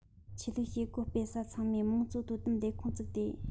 ཆོས ལུགས བྱེད སྒོ སྤེལ ས ཚང མས དམངས གཙོའི དོ དམ ལས ཁུངས བཙུགས ཏེ